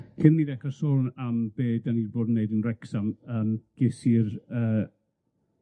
Cyn i ni ddechre sôn am be 'dan ni 'di bod yn neud yn Wrecsam yym ges i'r yy